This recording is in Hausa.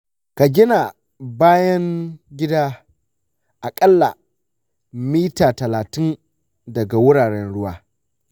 ka gina bayan gida aƙalla mita talatin daga wuraren ruwa.